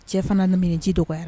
Cɛ fana lam min ji dɔgɔyara